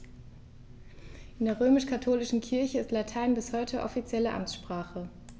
In der römisch-katholischen Kirche ist Latein bis heute offizielle Amtssprache.